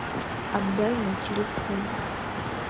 отдай мой телефон